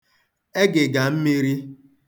egị̀gà mmīrī